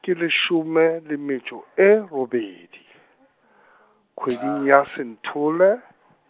ke lesome, le metšo e robedi, kgweding ya Sethole.